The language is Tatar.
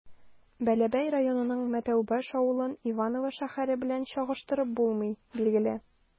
Бәләбәй районының Мәтәүбаш авылын Иваново шәһәре белән чагыштырып булмый, билгеле.